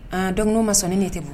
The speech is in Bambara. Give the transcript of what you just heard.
Aa dɔgɔnin ma sɔn ne tɛ bon